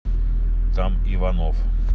там иванов